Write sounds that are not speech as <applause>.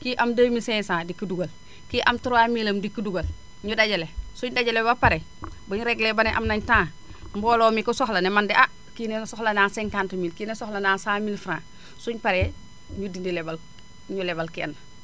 kii am 2500 dikk dugal kii am 3000 am dikk dugal ñu dajale suñu dajalee ba pare <noise> bu énu réglé ba ne am naénu tant <noise> mbooloo mi ko soxla ne man de <hesitation> kii nee na soxla naa 50000 kii ne soxla naa 100000F suñu paree <noise> énu dindi lebal ñu lebal kenn